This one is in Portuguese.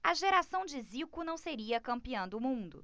a geração de zico não seria campeã do mundo